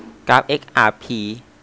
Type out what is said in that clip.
กราฟเอ็กอาร์พี